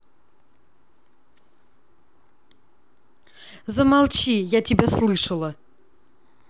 замолчи я тебя слышала